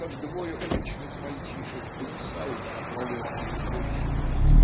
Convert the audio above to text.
как двое уличных мальчишек повисают на пролетке извозчика.